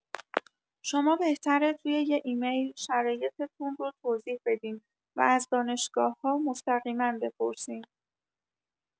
شما بهتره توی یه ایمیل شرایطتون رو توضیح بدین و از دانشگاه‌‌ها مستقیما بپرسین